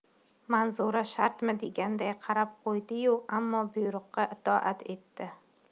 manzura shartmi deganday qarab qo'ydi yu ammo buyruqqa itoat etdi